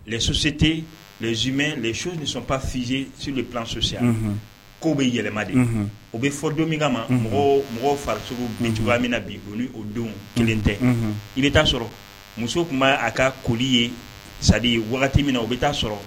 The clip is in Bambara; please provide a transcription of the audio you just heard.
Sosi tɛ lezme lɛsuo nisɔn pa fizsilansosi k ko bɛ yɛlɛma o bɛ forodon min ka ma mɔgɔ mɔgɔ fariso mintuba min na bi boli o don kelen tɛ i bɛ' sɔrɔ muso tun' aa ka koli ye sa wagati min na u bɛ taa sɔrɔ